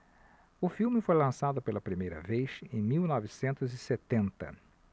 o filme foi lançado pela primeira vez em mil novecentos e setenta